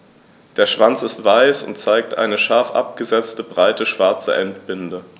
Der Schwanz ist weiß und zeigt eine scharf abgesetzte, breite schwarze Endbinde.